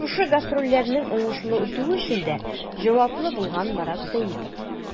Шушы гастрольләрнең уңышлы үтүе өчен дә җаваплы булган Марат Сәитов.